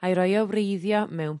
a'i roi o wreiddio mewn